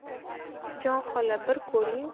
jon xola bir ko'ring